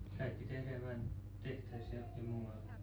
kaikki tehdään vain tehtaissa johonkin muualle